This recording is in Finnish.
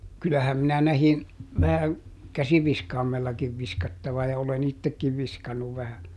kyllähän minä näin vähän käsiviskaimellakin viskattavan ja olen itsekin viskannut vähän